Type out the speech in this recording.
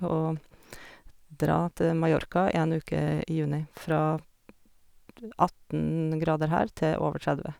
Å dra til Mallorca én uke i juni, fra atten grader her til over tredve.